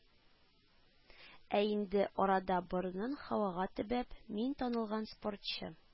Ә инде арада борынын һавага төбәп, мин танылган спортчы,